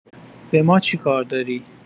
به ما چیکار داری